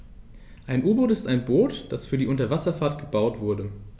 Ein U-Boot ist ein Boot, das für die Unterwasserfahrt gebaut wurde.